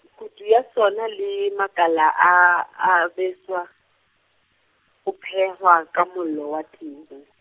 kutu ya sona le makala a a beswa, ho phehwa ka mollo wa teng.